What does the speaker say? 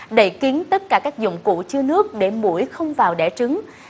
đậy kín tất cả các dụng cụ chứa nước để muỗi không vào đẻ trứng